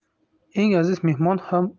eng aziz mehmon ham